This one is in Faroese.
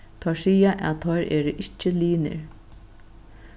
teir siga at teir eru ikki linir